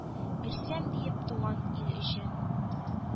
Бирсәм, диеп, туган ил өчен».